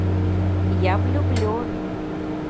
я влюблен